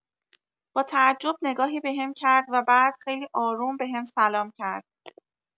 با تعجب نگاهی بهم کرد و بعد خیلی آروم بهم سلام کرد.